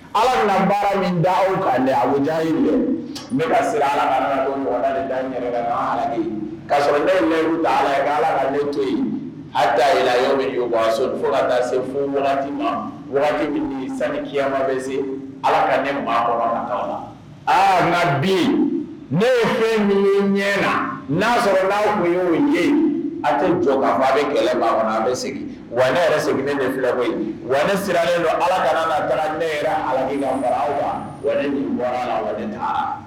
Ala baara min da aw ka dɛ a dɛ ne siran ala'a sɔrɔ ne ala ka ne to yen a da yɛlɛla minso fo ka taa se fo wagati ma wagati min sanya ma bɛ se ala ka ne la aa nka bin ne ye fɛn min ɲɛ na n' sɔrɔ'a kun ye a ko jɔ ka bɛ kɛlɛ an bɛ segin wa ne segin ne bɛ fila koyi wa ne siralen don ala ne ala mara aw wa ni bɔra taa